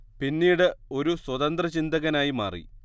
പിന്നീട് ഒരു സ്വതന്ത്ര ചിന്തകനായി മാറി